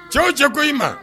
Cɛw cɛ ko i ma